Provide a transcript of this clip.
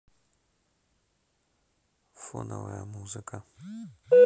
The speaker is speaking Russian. фоновая музыка